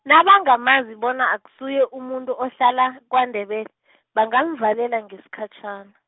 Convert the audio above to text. nabangamazi bona akusuye umuntu ohlala kwaNdebele, bangamvalela ngesikhatjhana.